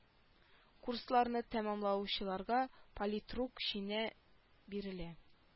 Курсларны тәмамлаучыларга политрук чины бирелә